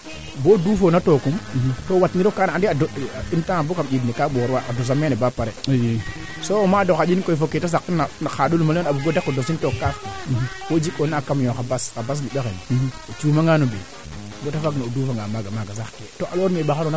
o bug mayu manaam ga'a o naq ma o ɓay kaaf duufin mene naq pep naxiq kaaf duufin maana anda xile pep naxiq ke naa moƴkaa mbaax na fop xana sax de xana sax de ndaa naxik ke na moƴkaa mbaax kum waralun kam yoomb u tooña Titin we toujours